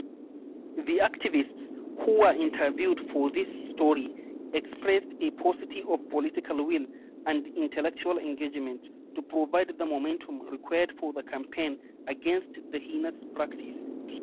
The activists who were interviewed for this story expressed a paucity of political will and intellectual engagement to provide the momentum required for the campaign against the heinous practice to succeed.